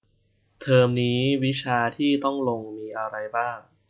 เทอมนี้วิชาที่ต้องลงมีอะไรบ้าง